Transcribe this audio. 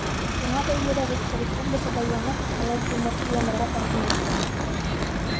Шуңа бәйле рәвештә республикада яңа технологияне кулланырга тәкъдим ителә.